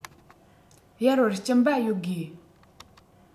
གཡར བར སྐྱིན པ ཡོད དགོས